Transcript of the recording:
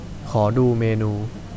ขอดูเมนู